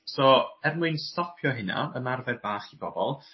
so er mwyn stopio hyna ymarfer bach i bobol